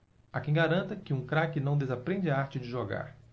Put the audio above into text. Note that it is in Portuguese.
há quem garanta que um craque não desaprende a arte de jogar